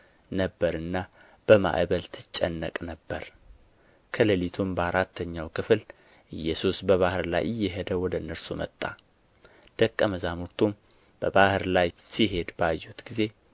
ነበርና በማዕበል ትጨነቅ ነበር ከሌሊቱም በአራተኛው ክፍል ኢየሱስ በባሕር ላይ እየሄደ ወደ እነርሱ መጣ ደቀ መዛሙርቱም በባሕር ላይ ሲሄድ ባዩት ጊዜ